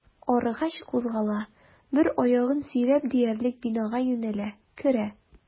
Арыгач, кузгала, бер аягын сөйрәп диярлек бинага юнәлә, керә.